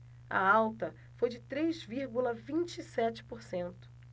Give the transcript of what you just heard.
a alta foi de três vírgula vinte e sete por cento